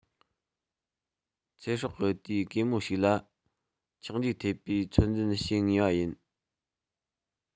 ཚེ སྲོག གི དུས གེ མོ ཞིག ལ ཆག འཇིག ཐེབས པས ཚོད འཛིན བྱེད ངེས པ ཡིན